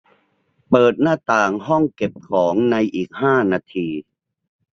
เปิดหน้าต่างห้องเก็บของในอีกห้านาที